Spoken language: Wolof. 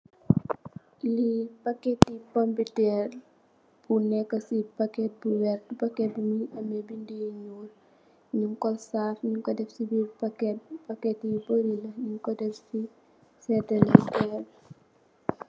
Lii paketi pompiter, bu neka si paket bu werta, paket bi mingi ame bind yu nyuul, nyun ko saf, mung ko def si biir paket, paket yu baari la, nyun ko def si seedalekaay.